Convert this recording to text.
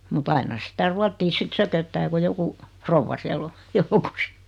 mutta aina sitä ruotsia sitten sököttää kun joku rouva siellä on joukossa